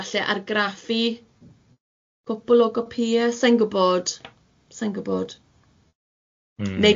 falle argraffu cwpwl o gopïe, sa i'n gwbod, sa i'n gwbod.